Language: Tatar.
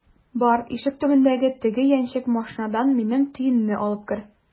Бар, ишек төбендәге теге яньчек машинадан минем төенне алып кер!